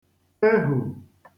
fehù